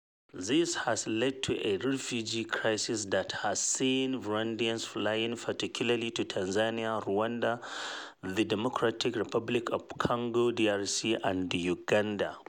This has led to a refugee crisis that has seen Burundians fleeing particularly to Tanzania, Rwanda, the Democratic Republic of Congo (DRC) and Uganda.